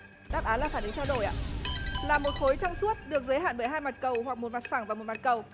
đáp án là phản ứng trao đổi ạ là một khối trong suốt được giới hạn bởi hai mặt cầu hoặc một mặt phẳng và một mặt cầu